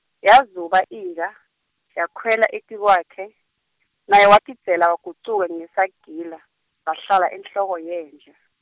Yazuba inja, yekhwela etikwakhe, naye watidzela wagucuka ngesagila, sahlala enhloko yenja.